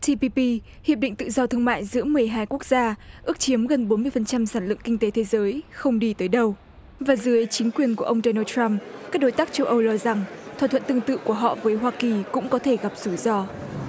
ti pi pi hiệp định tự do thương mại giữa mười hai quốc gia ước chiếm gần bốn mươi phần trăm sản lượng kinh tế thế giới không đi tới đâu và dưới chính quyền của ông đô na trăm các đối tác châu âu lo rằng thỏa thuận tương tự của họ với hoa kỳ cũng có thể gặp rủi ro